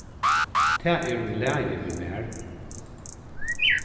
tað er í lagi við mær